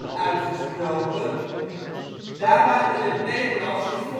uitgesproken. Daar waar in het Nederlands